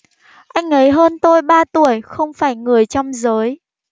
anh ấy hơn tôi ba tuổi không phải người trong giới